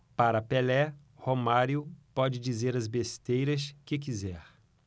para pelé romário pode dizer as besteiras que quiser